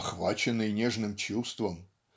"охваченный нежным чувством"